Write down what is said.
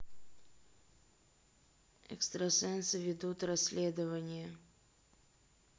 экстрасенсы ведут расследование